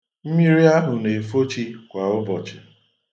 Mmiri ahụ na-efo chi kwa ụbọchi.